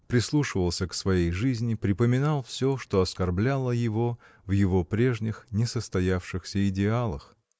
Прислушивался к своей жизни, припоминал всё, что оскорбляло его в его прежних, несостоявшихся идеалах.